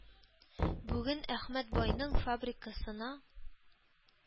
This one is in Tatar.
Бүген Әхмәт байның фабрикасына